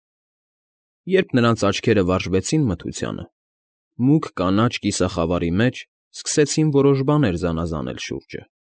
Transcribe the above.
Երբ նրանց աչքերը վարժվեցին մթությանը, մուգ կանաչ կիսախավարի մեջ սկսեցին որոշ բաներ զանազանել շուրջը։